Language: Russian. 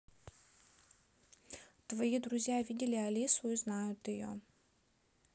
твои друзья видели алису и знают ее